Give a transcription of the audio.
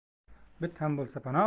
bit ham bo'lsa panoh